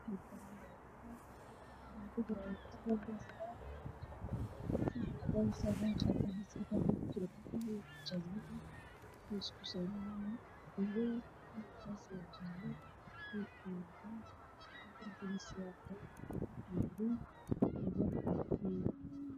Meeshan waxaa yaalla koob ta igu jiraan shaah caddeysa